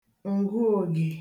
ǹgụògè